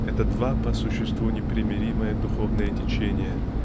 это два по существу непримиримые духовные течения